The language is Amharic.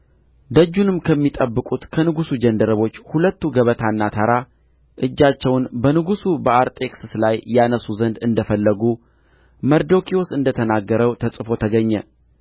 ደጁንም ከሚጠብቁት ከንጉሡ ጃንደረቦች ሁለቱ ገበታና ታራ እጃቸውን በንጉሡ በአርጤክስስ ላይ ያነሡ ዘንድ እንደ ፈለጉ መርዶክዮስ እንደ ነገረው ተጽፎ ተገኘ